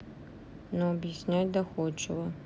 но объяснять доходчиво